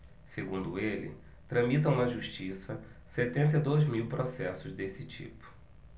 segundo ele tramitam na justiça setenta e dois mil processos desse tipo